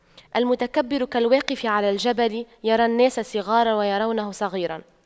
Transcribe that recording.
المتكبر كالواقف على الجبل يرى الناس صغاراً ويرونه صغيراً